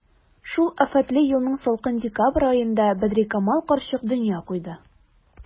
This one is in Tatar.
Шул афәтле елның салкын декабрь аенда Бәдрикамал карчык дөнья куйды.